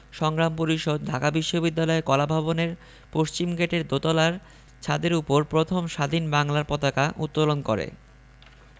সংগ্রাম পরিষদ ঢাকা বিশ্ববিদ্যালয় কলাভবনের পশ্চিমগেটের দোতলার ছাদের উপর প্রথম স্বাধীন বাংলার পতাকা উত্তোলন করে